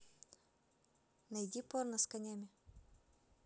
найди порно с конями